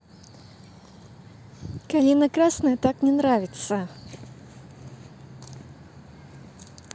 калина красная так не нравится